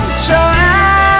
chờ em